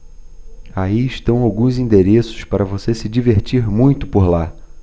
aí estão alguns endereços para você se divertir muito por lá